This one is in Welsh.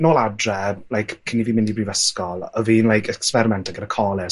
nôl adre like cyn i fi mynd i brifysgol, o' fi'n like ecsperimento gyda colur.